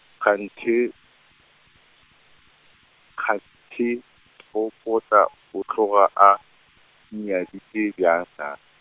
kganthe, kganthe Popota o tloga a, nnyaditše bjang naa.